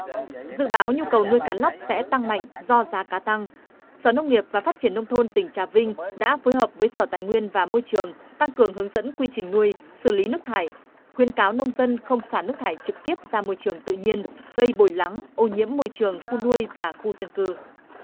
dự báo nhu cầu nuôi cá lóc sẽ tăng mạnh do giá cả tăng sở nông nghiệp và phát triển nông thôn tỉnh trà vinh đã phối hợp với sở tài nguyên và môi trường tăng cường hướng dẫn quy trình nuôi xử lý nước thải khuyến cáo nông dân không xả nước thải trực tiếp ra môi trường tự nhiên gây bồi lắng ô nhiễm môi trường khu nuôi và khu dân cư